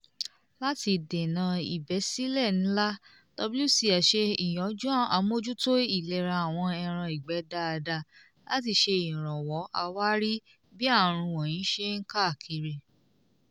Láti dènà ìbẹ́sílẹ̀ ńlá, WCS ṣe ìyànjú àmójútó ìlera àwọn ẹran ìgbẹ́ dáadáa láti ṣe ìrànwọ́ àwárí bí àrùn wọ̀nyìí ṣe ń káàkiri.